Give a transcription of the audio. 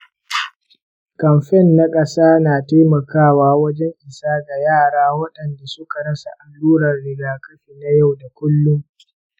kamfen na ƙasa na taimakawa wajen isa ga yara waɗanda suka rasa alluran rigakafi na yau da kullum.